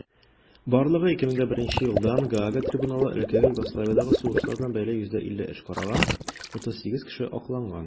Барлыгы 2001 елдан Гаага трибуналы элеккеге Югославиядәге сугышлар белән бәйле 150 эш караган; 38 кеше акланган.